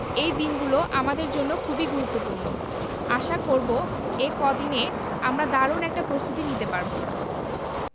এই দিনগুলো আমাদের জন্য খুবই গুরুত্বপূর্ণ আশা করব এই কদিনে আমরা দারুণ একটা প্রস্তুতি নিতে পারব